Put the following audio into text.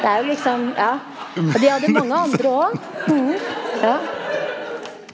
det er jo liksom ja og de hadde mange andre óg ja.